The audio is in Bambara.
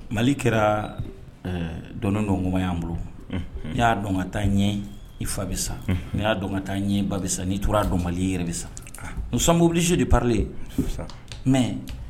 Mali kɛra dɔndon ko bolo n y'a dɔn ka taa ɲɛ i fa bɛ sa n'a dɔn taa ɲɛ ba bɛ sa nii tora dɔn mali i yɛrɛ bɛ sa mubobilisu de parre mɛ